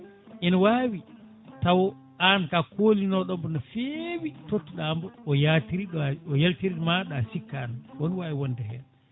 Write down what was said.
ina wawi taw an ka kolinoɗomo no feewi tottuɗamo o yaatiri ɗo a o yaltirma ɗa sikkano fo ne wawi wonde hen